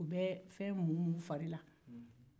u bɛ fɛn munmun u fari la